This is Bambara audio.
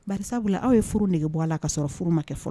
Bari sabula aw ye furu nege bɔ a la, ka sɔrɔ furu ma kɛ fɔlɔ.